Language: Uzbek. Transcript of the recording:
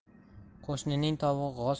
qo'shnining tovug'i g'oz